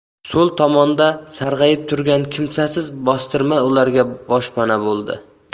so'l tomonda sarg'ayib turgan kimsasiz bostirma ularga boshpana bo'ldi